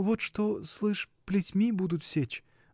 — Вот что, слышь, плетьми будут сечь.